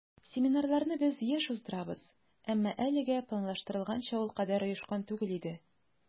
Семинарларны без еш уздырабыз, әмма әлегә планлаштырылганча ул кадәр оешкан түгел иде.